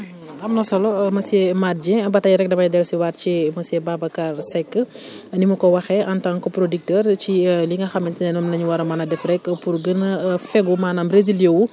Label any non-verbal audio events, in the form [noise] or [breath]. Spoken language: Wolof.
[hesitation] [hesitation] am na solo monsieur Mate Dieng ba tey rek damay dellusiwaat ci monsieur Bacar Seck [breath] ni ma ko waxee en tant que producteur ci [hesitation] li nga xamante ne moom la ñu war a mën a def rek pour gën a fegu maanaam résilier wu